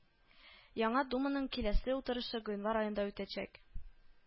Яңа думаның киләсе утырышы гыйнвар аенда үтәчәк